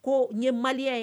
Ko ye maliya ye